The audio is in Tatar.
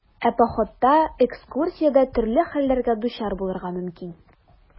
Ә походта, экскурсиядә төрле хәлләргә дучар булырга мөмкин.